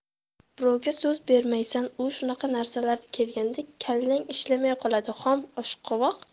birovga so'z bermaysan u shunaqa narsalarga kelganda kallang ishlamay qoladi xom oshqovoq